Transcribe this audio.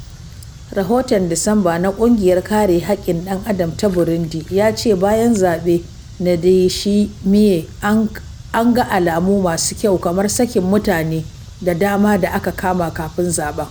Rahoton Disamba na Ƙungiyar Kare Haƙƙin Dan-Adam ta Burundi ya ce bayan zaɓen Ndayishimye, an ga alamu masu kyau, kamar sakin mutane da dama da aka kama kafin zaɓen.